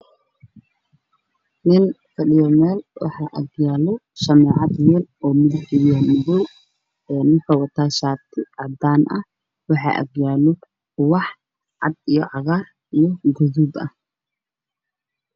Waa nin meel fadhiyo hortiisa waxaa yaalo ubax gaduud ah